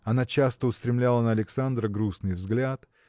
Она часто устремляла на Александра грустный взгляд